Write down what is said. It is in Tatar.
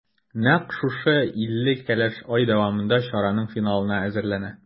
Нәкъ шушы илле кәләш ай дәвамында чараның финалына әзерләнә.